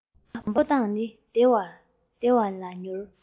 ཁོའི གོམ པ སྤོ སྟངས ནི བདེ ལ མྱུར